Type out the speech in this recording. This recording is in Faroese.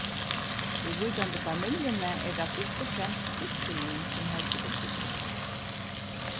viðvíkjandi familjuni er tað fyrst og fremst systir mín sum heldur bindiklubb